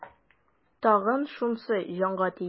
Тагын шунысы җанга тия.